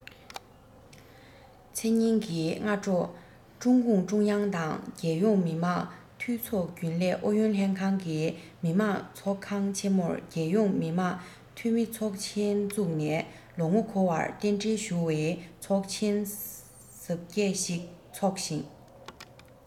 ཚེས ཉིན གྱི སྔ དྲོ ཀྲུང གུང ཀྲུང དབྱང དང རྒྱལ ཡོངས མི དམངས འཐུས ཚོགས རྒྱུན ལས ཨུ ཡོན ལྷན ཁང གིས མི དམངས ཚོགས ཁང ཆེ མོར རྒྱལ ཡོངས མི དམངས འཐུས མི ཚོགས ཆེན བཙུགས ནས ལོ ངོ འཁོར བར རྟེན འབྲེལ ཞུ བའི ཚོགས ཆེན གཟབ རྒྱས ཤིག འཚོགས ཤིང